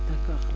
d' accord